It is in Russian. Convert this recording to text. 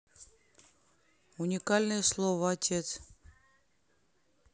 уникальное слово отец